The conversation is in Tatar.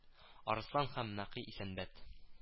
Арслан һәм Нәкый Исәнбәт